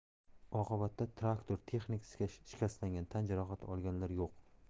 oqibatda traktor texnik shikastlangan tan jarohati olganlar yo'q